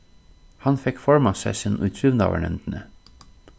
hann fekk formanssessin í trivnaðarnevndini